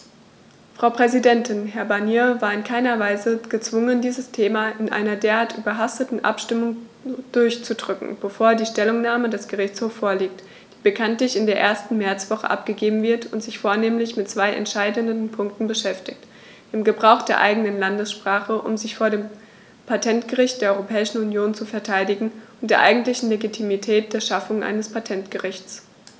Frau Präsidentin, Herr Barnier war in keinerlei Weise gezwungen, dieses Thema in einer derart überhasteten Abstimmung durchzudrücken, bevor die Stellungnahme des Gerichtshofs vorliegt, die bekanntlich in der ersten Märzwoche abgegeben wird und sich vornehmlich mit zwei entscheidenden Punkten beschäftigt: dem Gebrauch der eigenen Landessprache, um sich vor dem Patentgericht der Europäischen Union zu verteidigen, und der eigentlichen Legitimität der Schaffung eines Patentgerichts.